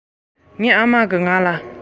ངའི ཨ མས ང ལ